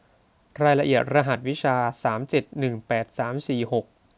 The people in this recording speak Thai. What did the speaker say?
รายละเอียดรหัสวิชาสามเจ็ดหนึ่งแปดสามสี่หก